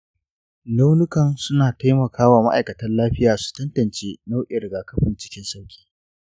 launukan suna taimaka wa ma’aikatan lafiya su tantance nau’in rigakafin cikin sauƙi.